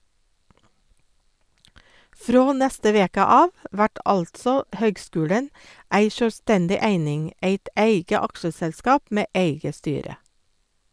Frå neste veke av vert altså høgskulen ei sjølvstendig eining , eit eige aksjeselskap med eige styre.